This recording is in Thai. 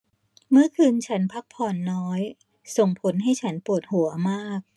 เมื่อคืนฉันพักผ่อนน้อยส่งผลให้ฉันปวดหัวมาก